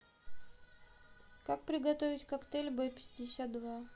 как приготовить коктейль б пятьдесят два